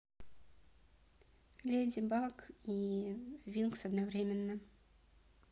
леди баг и винкс одновременно